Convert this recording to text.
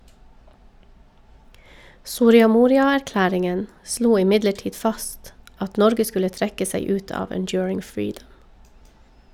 Soria Moria-erklæringen slo imidlertid fast at Norge skulle trekke seg ut av Enduring Freedom.